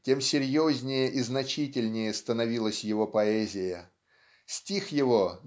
тем серьезнее и значительнее становилась его поэзия. Стих его